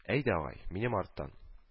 Әйдә, агай, минем арттан